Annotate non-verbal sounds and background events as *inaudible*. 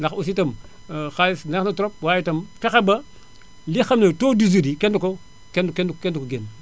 ndax aussi itam *hesitation* xaalis neex na trop waaye itam fexe ba li nga ne nii taux 18 kenn du ko kenn du ko kenn du ko génne